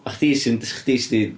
A chdi sy'n... s- chdi sy 'di...